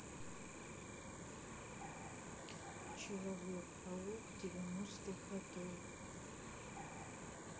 человек паук девяностых годов